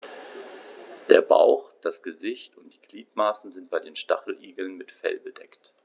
Der Bauch, das Gesicht und die Gliedmaßen sind bei den Stacheligeln mit Fell bedeckt.